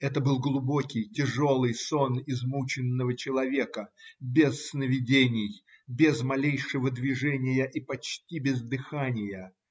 Это был глубокий, тяжелый сон измученного человека, без сновидений, без малейшего движения и почти без дыхания.